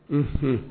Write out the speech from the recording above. Unhun